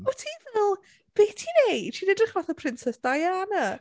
O't ti fel "be ti'n wneud? Ti'n edrych fatha Princess Diana."